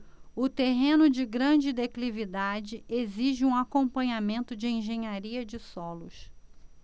o terreno de grande declividade exige um acompanhamento de engenharia de solos